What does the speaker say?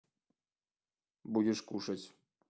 будешь кушать